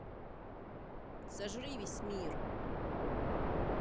сожри весь мир